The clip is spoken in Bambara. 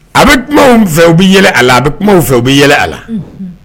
A bɛ kuma u fɛ, u bɛ yɛlɛ a la, a bɛ kuma u fɛ, u bɛ yɛlɛ a la.